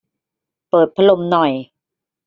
เปิดพัดลมหน่อย